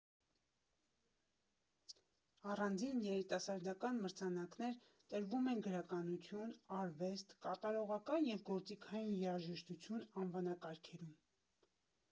Առանձին երիտասարդական մրցանակներ տրվում են գրականություն, արվեստ, կատարողական և գործիքային երաժշտություն անվանակարգերում։